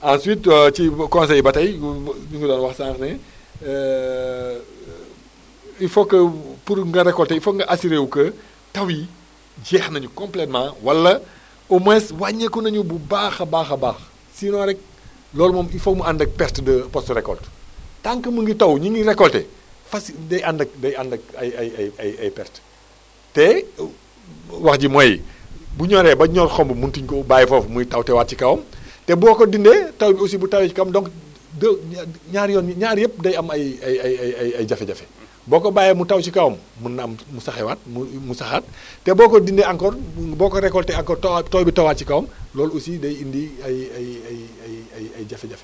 ensuite ci conseil yi ba tey ñu ngi doon wax sànq ne il faut que pour nga récolter il faut nga ssurer wu que taw yi jeex nañu complètement wala au moins wàññeeku nañu bu baax a baax a baax sinon rek loolu moom il faut que mu ànd ak perte de post récolte tant que mu ngi taw ñu ngi récolté faci day ànd ak day ànd ak ay ay ay ay ay pertes te wax ji mooy bu ñoree ba ñor xomm mënatuñu koo bàyyi foofu muy tawtewaat ci kawam te boo ko dindee taw bi aussi bu tawee ci kawam donc de ñaari yoon ñaar yëpp day am ay ay ay ay ay ay jafe-jafe boo ko bàyyee mu taw ci kawam mën na am mu saxewaat mu mu saxaat te boo ko dindee encore boo ko récolté encore tawaat taw bi tawaat ci kawam loolu aussi day indi ay ay ay ay ay ay ay ay jafe-jafe